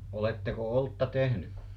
oletteko olutta tehnyt